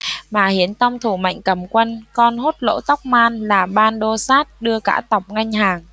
mà hiến tông thụ mệnh cầm quân con hốt lỗ tốc man là ban đô sát đưa cả tộc nghênh hàng